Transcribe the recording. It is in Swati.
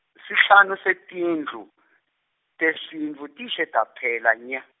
sihlanu setindlu, tesintfu tishe taphela nya.